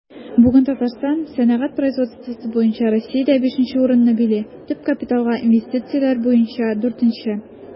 Бүген Татарстан сәнәгать производствосы буенча Россиядә 5 нче урынны били, төп капиталга инвестицияләр буенча 4 нче.